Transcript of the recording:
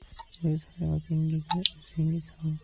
o'z hayotingizni o'zingiz